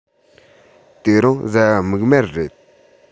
དེ རིང གཟའ མིག དམར རེད